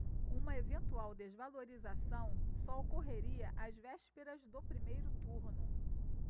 uma eventual desvalorização só ocorreria às vésperas do primeiro turno